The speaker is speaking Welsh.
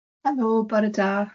Helo, bore da.